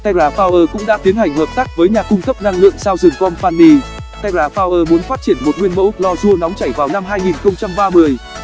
terrapower cũng đã tiến hành hợp tác với nhà cung cấp năng lượng southern company terrapower muốn phát triển một nguyên mẫu clorua nóng chảy vào năm